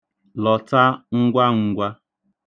Lọta ngwangwa.